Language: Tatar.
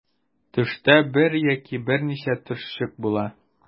Төштә бер яки берничә төшчек була.